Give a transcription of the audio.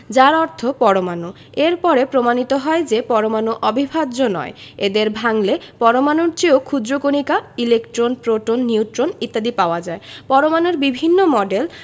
যার অর্থ পরমাণু এর পরে প্রমাণিত হয় যে পরমাণু অবিভাজ্য নয় এদের ভাঙলে পরমাণুর চেয়েও ক্ষুদ্র কণিকা ইলেকট্রন প্রোটন নিউট্রন ইত্যাদি পাওয়া যায় পরমাণুর বিভিন্ন মডেল